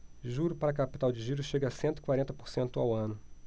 juro para capital de giro chega a cento e quarenta por cento ao ano